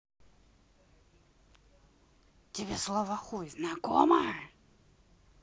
тебе слово хуй знакома